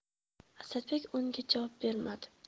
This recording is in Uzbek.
asadbek unga javob bermadi